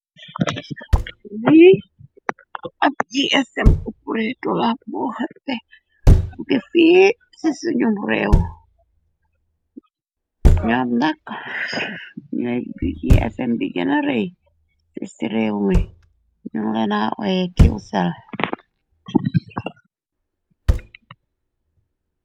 Bi ab ji esem upuretula bo xappe buke fi cici ñum réew ñoo nakk ñooyb gi esem bi gëna rëy sici réew mi ñum lena waye ciwsal.